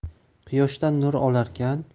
quyoshdan nur olarkan